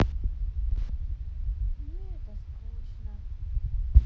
мне это скучно